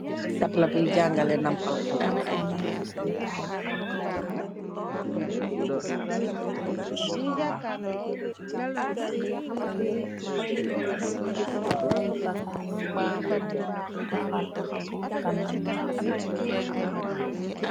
Tabla buy jaangal nampal xalé.